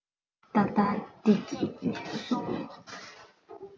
ད ལྟ བདེ སྐྱིད གཉེན གསུམ